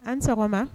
An sɔgɔma